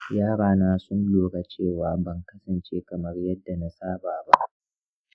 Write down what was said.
yarana sun lura cewa ban kasance kamar yadda na saba ba.